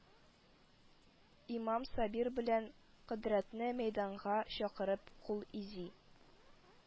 Имам Сабир белән Кодрәтне мәйданга чакырып кул изи